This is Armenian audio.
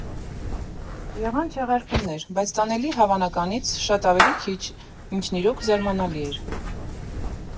Եղան չեղարկումներ, բայց տանելի֊հավանականից շատ ավելի քիչ, ինչն իրոք զարմանալի էր։